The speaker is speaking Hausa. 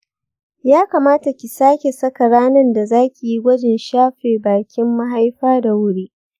ya kamata ki sake saka ranan da zakiyi gwajin shafe bakin mahaifa da wuri.